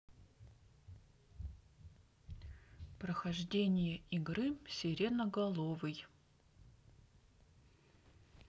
прохождение игры сиреноголовый